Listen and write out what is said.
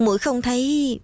muội không thấy